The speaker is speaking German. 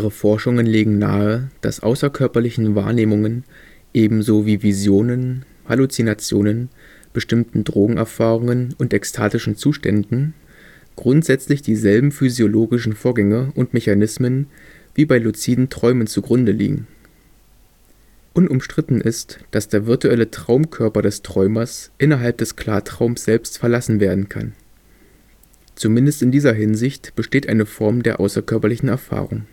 Forschungen legen nahe, dass „ außerkörperlichen Wahrnehmungen “– ebenso wie Visionen, Halluzinationen, bestimmten Drogenerfahrungen und ekstatischen Zuständen – grundsätzlich dieselben physiologischen Vorgänge und Mechanismen wie bei luziden Träumen zugrunde liegen. Unumstritten ist, dass der virtuelle Traum-Körper des Träumers innerhalb des Klartraums selbst „ verlassen “werden kann. Zumindest in dieser Hinsicht besteht eine Form der „ außerkörperlichen Erfahrung